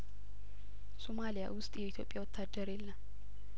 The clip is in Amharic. ሶማሊያ ውስጥ የኢትዮጵያ ወታደር የለም